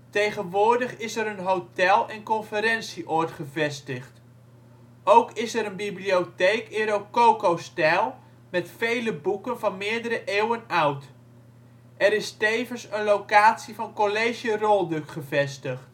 Tegenwoordig is er een hotel en conferentie-oord gevestigd. Ook is er een bibliotheek in rococostijl met vele boeken van meerdere eeuwen oud. Er is tevens een locatie van College Rolduc gevestigd